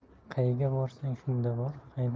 qayga borsang shunda